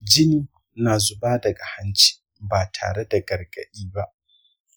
jini na zuba daga hanci ba tare da gargaɗi ba